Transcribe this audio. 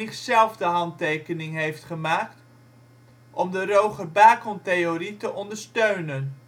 zelf de handtekening heeft gemaakt, om de Roger Bacon-theorie te ondersteunen